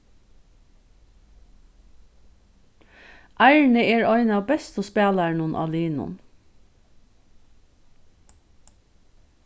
arni er ein av bestu spælarunum á liðnum